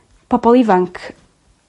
pobol ifanc